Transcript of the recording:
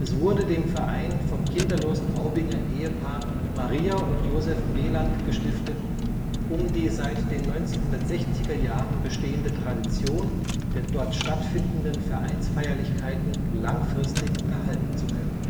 wurde dem Verein vom kinderlosen Aubinger Ehepaar Maria und Josef Beland gestiftet um die seit den 1960er Jahren bestehende Tradition der dort stattfindenden Vereinsfeierlichkeiten langfristig erhalten zu können